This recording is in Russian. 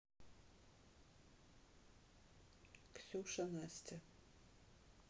ксюша настя